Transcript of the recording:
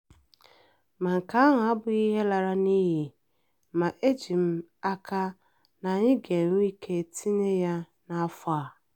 Mana nke ahụ abụghị ihe lara n'iyi ma eji m aka ná anyị ga-enwe ike tinye ya n'afọ a.